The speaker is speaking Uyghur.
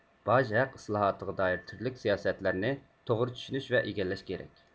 باج ھەق ئىسلاھاتىغا دائىر تۈرلۈك سىياسەتلەرنى توغرا چۈشىنىش ۋە ئىگىلەش كېرەك